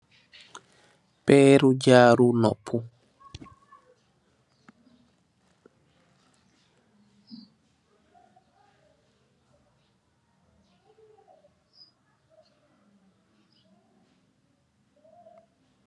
Pééri jaru nopuh